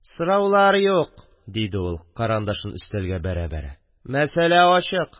– сораулар юк, – диде ул карандашын өстәлгә бәрә-бәрә, – мәсәлә ачык